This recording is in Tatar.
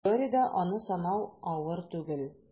Теориядә аны санау авыр түгел: